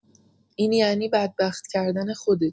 این یعنی بدبخت کردن خودت.